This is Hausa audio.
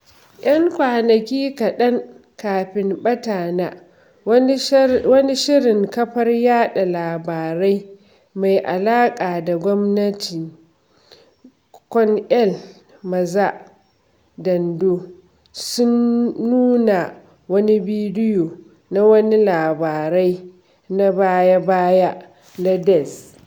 Yan kwanaki kaɗan kafin ɓatana, wani shirin kafar yaɗa labarai mai alaƙa da gwamnati Con el Mazo Dando sun nuna wani bidiyo na wani labarai na baya-baya na Diaz.